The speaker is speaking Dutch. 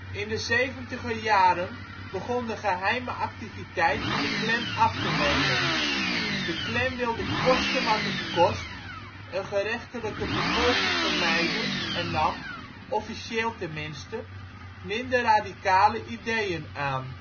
In de zeventiger-jaren begon de geheime activiteit van de Klan af te nemen. De Klan wilde koste wat het kost een gerechtelijke vervolging vermijden en nam - officieel tenminste - minder radicale ideeën aan